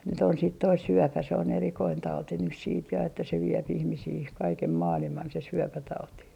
nyt on sitten tuo syöpä se on erikoinen tauti nyt sitten ja että se vie ihmisiä kaiken maailman se syöpätauti